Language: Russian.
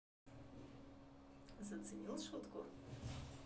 заценил шутку